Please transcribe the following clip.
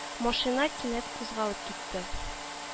Машина кинәт кузгалып китте